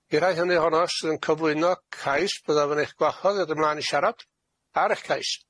I'r rhai hynny ohonoch sydd yn cyflwyno cais, byddaf yn eich gwahodd i dod ymlaen i siarad ar eich cais.